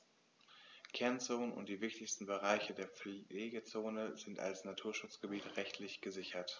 Kernzonen und die wichtigsten Bereiche der Pflegezone sind als Naturschutzgebiete rechtlich gesichert.